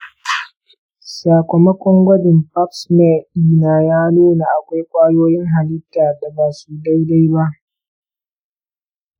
sakamakon gwajin pap smear dina ya nuna akwai ƙwayoyin halitta da ba su daidai ba.